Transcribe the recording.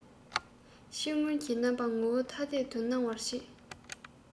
ཕྱིར མངོན གྱི རྣམ པ ངོ བོ ཐ དད དུ སྣང བར བྱེད